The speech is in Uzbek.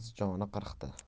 qiz joni qirqta